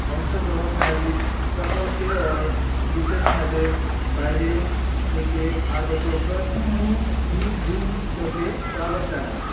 অংশগ্রহণকারী সকলকে ও বিশেষভাবে বাইরে থেকে আগত প্রতিনিধিবৃন্দকে স্বাগত জানাই